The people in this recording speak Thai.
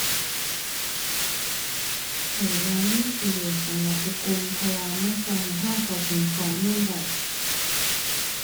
ข้อยว่ามันมีประโยชน์สำหรับทุกกลุ่ม เพราะว่ามันช่วยให้ช่วยเข้าถึงข้อมูลได้